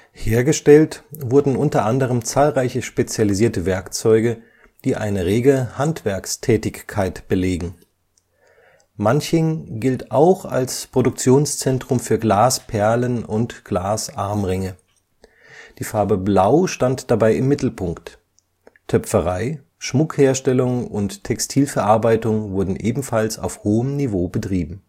Hergestellt wurden unter anderem zahlreiche spezialisierte Werkzeuge, die eine rege Handwerkstätigkeit belegen. Manching gilt auch als Produktionszentrum für Glasperlen und Glasarmringe. Die Farbe Blau stand dabei im Mittelpunkt. Töpferei, Schmuckherstellung und Textilverarbeitung wurden ebenfalls auf hohem Niveau betrieben